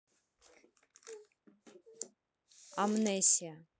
amnesia